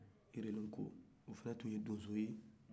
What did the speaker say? yirilenko a fana tun ye donso ye